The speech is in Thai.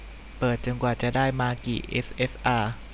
เปิดจนกว่าจะได้มากิเอสเอสอา